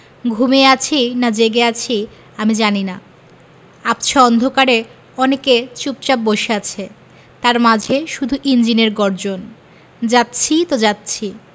ঘুমিয়ে আছি না জেগে আছি আমি জানি না আবছা অন্ধকারে অনেকে চুপচাপ বসে আছে তার মাঝে শুধু ইঞ্জিনের গর্জন যাচ্ছি তো যাচ্ছি